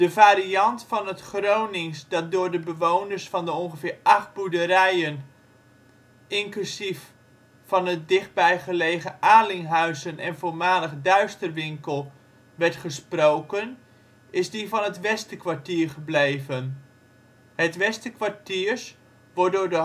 variant van het Gronings dat door de bewoners van de ongeveer acht boerderijen, inclusief van het dichtbij gelegen Alinghuizen en voormalig Duisterwinkel, werd gesproken is die van het Westerkwartier gebleven. Het Westerkwartiers wordt door de